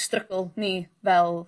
strygl ni fel...